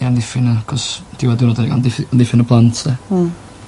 I amddiffyn achos amdiff- amddiffyn y plant 'de? Hmm.